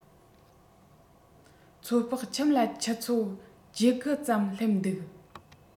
ཚོད དཔག ཁྱིམ ལ ཆུ ཚོད བརྒྱད དགུ ཙམ སླེབས འདུག